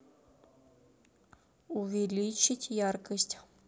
увеличить яркость